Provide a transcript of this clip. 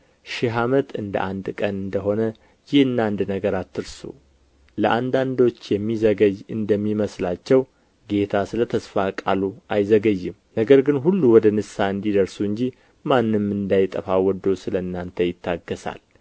ሺህ ዓመትም እንደ አንድ ቀን እንደ ሆነ ይህን አንድ ነገር አትርሱ ለአንዳንዶች የሚዘገይ እንደሚመስላቸው ጌታ ስለ ተስፋ ቃሉ አይዘገይም ነገር ግን ሁሉ ወደ ንስሐ እንዲደርሱ እንጂ ማንም እንዳይጠፋ ወዶ ስለ እናንተ ይታገሣል